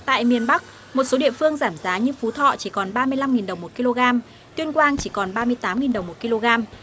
tại miền bắc một số địa phương giảm giá như phú thọ chỉ còn ba mươi lăm nghìn đồng một ki lô gam tuyên quang chỉ còn ba mươi tám nghìn đồng một ki lô gam